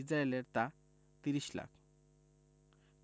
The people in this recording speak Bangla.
ইসরায়েলের তা ৩০ লাখ